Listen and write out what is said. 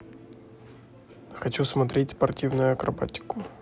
хочу смотреть спортивную акробатику